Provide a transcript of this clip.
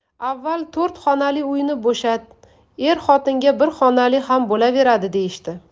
avval to'rt xonali uyni bo'shat er xotinga bir xonali ham bo'laveradi deyishdi